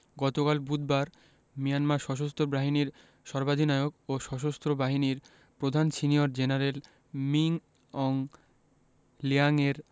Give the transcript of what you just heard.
গতকাল বুধবার মিয়ানমার সশস্ত্র বাহিনীর সর্বাধিনায়ক ও সশস্ত্র বাহিনীর প্রধান সিনিয়র জেনারেল মিন অং হ্লিয়াংয়ের